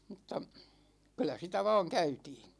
mutta kyllä sitä vain käytiin